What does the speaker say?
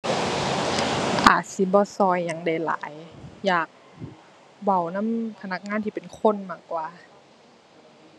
อาจสิบ่ช่วยหยังได้หลาย อยากเว้านำพนักงานที่เป็นคนมากกว่า